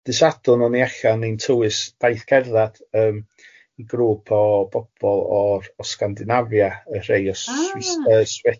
Dydd Sadwrn o'n i allan o'n i'n tywys daith cerddad yym i grŵp o bobl o'r o Sgandinavia, y rhei o Swi-... Ah...yy Sweden a rhei o'r